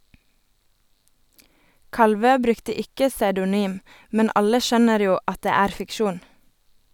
Kalvø brukte ikke pseudonym, men alle skjønner jo at det er fiksjon.